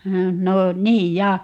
no niin ja